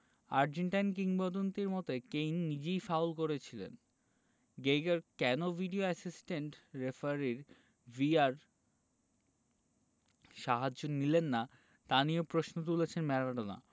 Argentine কিংবদন্তির মতে Kane নিজেই ফাউল করেছিলেন গেইগার কেন ভিডিও অ্যাসিস্ট্যান্ট রেফারির ভিআর সাহায্য নিলেন না তা নিয়েও প্রশ্ন তুলেছেন ম্যারাডোনা